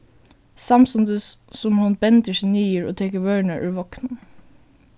samstundis sum hon bendir seg niður og tekur vørurnar úr vogninum